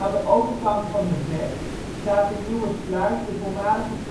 de overkant van de Vecht staat in Nieuwersluis de voormalige